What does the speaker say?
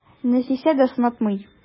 Нәфисә дә сынатмый.